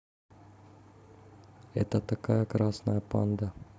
это такая красная панда